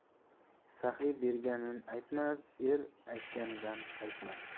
saxiy berganini aytmas er aytganidan qaytmas